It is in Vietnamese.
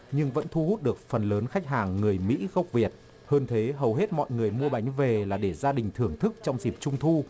nhưng vẫn thu hút được phần lớn khách hàng người mỹ gốc việt hơn thế hầu hết mọi người mua bánh về là để gia đình thưởng thức trong dịp trung thu